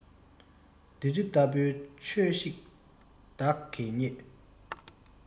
བདུད རྩི ལྟ བུའི ཆོས ཤིག བདག གིས རྙེད